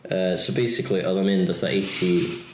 Yy so basically oedd o'n mynd fatha eighty...